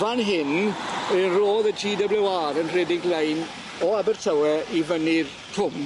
Fan hyn, yy rodd y Gee Double-you Are yn rhedeg lein o Abertawe i fyny'r cwm.